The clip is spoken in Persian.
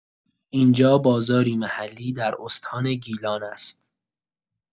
اینجا بازاری محلی در استان گیلان است.